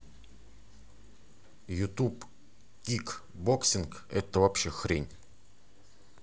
ютуб кик боксинг